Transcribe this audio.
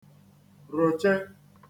ròche